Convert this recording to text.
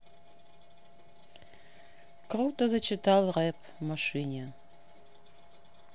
круто зачитал рэп в машине